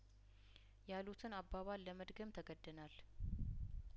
ያሉትን አባባል ለመድገም ተገደናል